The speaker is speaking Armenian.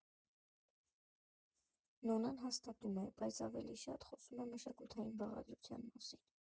Նոնան հաստատում է, բայց ավելի շատ խոսում է մշակութային բաղադրության մասին.